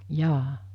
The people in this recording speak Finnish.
jaa